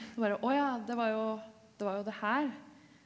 det bare å ja det var jo det var jo det her.